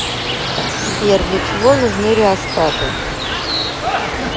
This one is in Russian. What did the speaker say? сбер для чего нужны реостаты